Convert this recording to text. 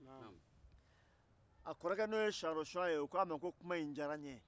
a kɔrɔkɛ siyanro shɔn ko a ma ko kuma diyara n ye